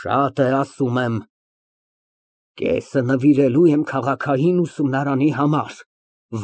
Շատ է ասում եմ։ Կեսը նվիրելու եմ քաղաքային ուսումնարանի համար։